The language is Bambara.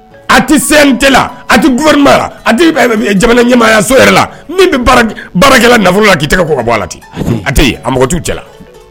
A tɛ se a tɛrin a jamana ɲɛmaaya so yɛrɛ la baarakɛ nafolo la k'i tɛgɛ ka bɔ la a t' cɛla